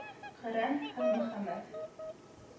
Коръән һәм Мөхәммәт